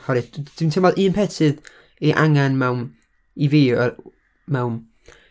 Oherwydd, d- d- dwi'n teimlo un peth sydd 'i angen mewn, i fi, y- mewn...